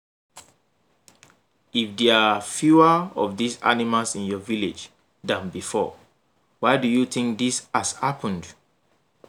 If there are fewer of these animals in your village than before, why do you think this has happened?